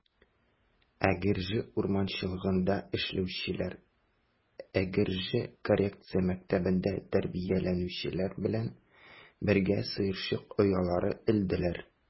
Әгерҗе урманчылыгында эшләүчеләр Әгерҗе коррекция мәктәбендә тәрбияләнүчеләр белән бергә сыерчык оялары элделәр.